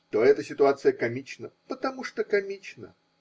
– то эта ситуация комична, потому что комична.